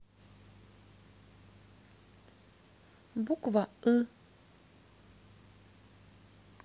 буква ы